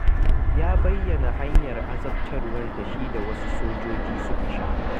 Ya bayyana hanyar azabtarwar da shi da wasu sojojin suka sha: